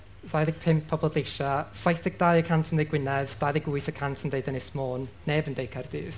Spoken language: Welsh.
ddau ddeg pump o bledleisiau. {Saith deg dau} y cant yn dweud Gwynedd. Dau ddeg wyth y cant yn deud Ynys Mon. Neb yn deud Caerdydd.